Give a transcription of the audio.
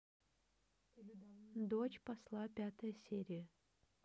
дочь посла пятая серия